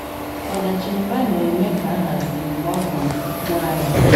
Ọdachi mba na eme ka nhazi gbagwojukwuo anya.